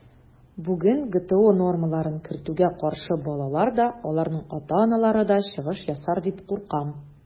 Бүген ГТО нормаларын кертүгә каршы балалар да, аларның ата-аналары да чыгыш ясар дип куркам.